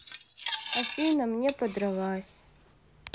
афина мне подралась